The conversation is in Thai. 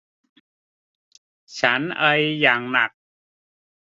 ฉันไออย่างหนัก